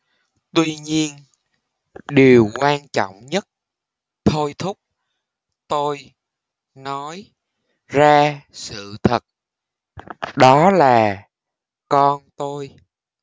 tuy nhiên điều quan trọng nhất thôi thúc tôi nói ra sự thật đó là con tôi